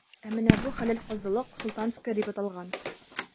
Ә менә бу – хәләл казылык,“Султанская” дип аталган.